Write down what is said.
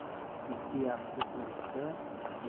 ikki yaxshi urishsa